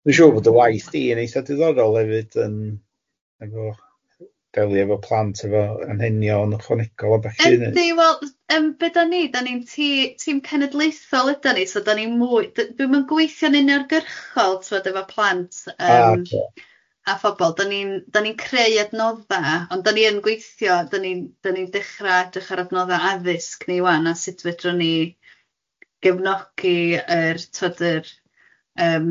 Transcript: Dwi'n siŵr bod dy waith di yn eitha diddorol hefyd yn nagw delio efo plant efo anhennion ychwanegol a ballu neu... Yndi wel yym be dan ni dan ni'n tîm cenedlaethol ydan ni so dan ni mwy d- dwi'm yn gwithio'n un argyrchol tibod efo plant... Ah oce. ...yym a phobol dan ni'n dan ni'n creu adnodda ond dan ni yn gweithio dan ni'n dan ni'n dechra edrych ar adnodda addysg ni ŵan a sut fedrwn ni gefnogi yr tibod yr yym